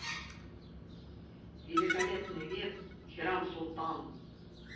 великолепный век херам султан